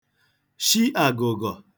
shi àgụ̀gọ̀